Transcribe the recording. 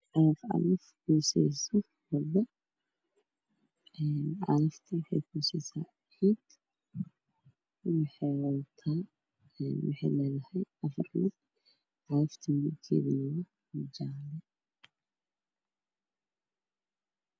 Waa calaf cagaf midafkeeda yahay jaallo oo taagan meel banaan waxaa ka dambeeyo guri jinkad ah